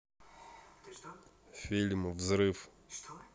фильм взрыв